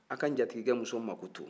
aw ka n jatigikɛ muso mago to